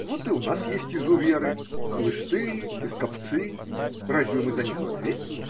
Вот и у нас есть изуверы – хлысты и скопцы – разве мы за них в ответе?